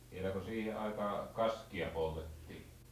vieläkö siihen aikaan kaskia poltettiin